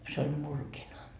se oli murkina murkina